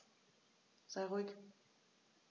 Sei ruhig.